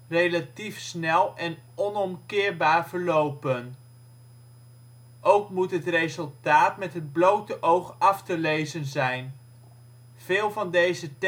relatief snel en onomkeerbaar verlopen. Ook moet het resultaat met het blote oog af te lezen zijn. Veel van deze